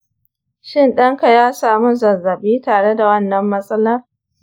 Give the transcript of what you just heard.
shin ɗanka ya samu zazzabi tare da wannan matsalar?